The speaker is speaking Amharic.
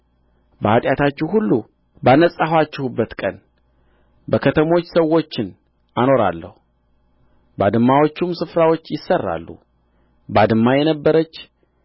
በኃጢአታችሁ ሁሉ ባነጻኋችሁበት ቀን በከተሞች ሰዎችን አኖራለሁ ባድማዎቹም ስፍራዎች ይሠራሉ ባድማ የነበረች